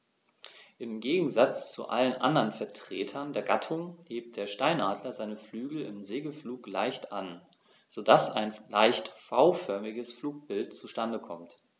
Im Gegensatz zu allen anderen Vertretern der Gattung hebt der Steinadler seine Flügel im Segelflug leicht an, so dass ein leicht V-förmiges Flugbild zustande kommt.